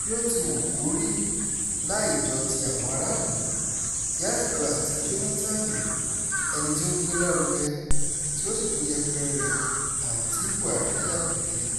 Bí ó ti wù kórí, láì jọ ti àwọn aráàlú – Yar'Adua àti Jónátánì – ẹni tí ó gbé lárugẹ, tí ó sì tún yẹpẹrẹ rẹ̀, àmọ́ ti Buhari yàtọ̀ gedegbe.